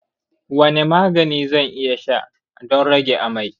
wane magani zan iya sha don rage amai?